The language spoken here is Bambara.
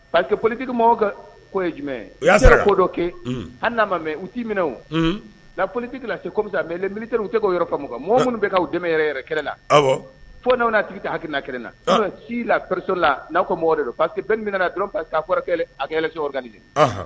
Pari que politigiki mɔgɔw ka ko ye jumɛn sera ko dɔ kɛ hali n'a ma mɛ u t'i minɛ o politigi lase se kɔmimisa mɛ pte u tɛ' yɔrɔ faamu mɔgɔ minnu bɛ' dɛmɛ yɛrɛ kɛlɛ la fo n'aw na tigi taa hakɛkiina kelen na ci laresso la n'a ko mɔgɔ don pa bɛ min dɔrɔn pa a